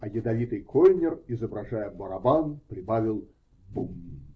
А ядовитый Кольнер, изображая барабан, прибавил: -- Бум!